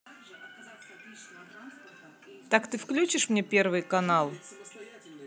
так ты включишь мне первый канал